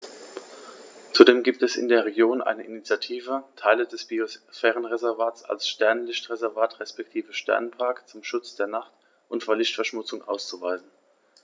Zudem gibt es in der Region eine Initiative, Teile des Biosphärenreservats als Sternenlicht-Reservat respektive Sternenpark zum Schutz der Nacht und vor Lichtverschmutzung auszuweisen.